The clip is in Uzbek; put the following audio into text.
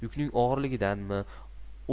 yukning og'irligidanmi